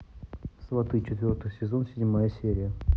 сваты четвертый сезон седьмая серия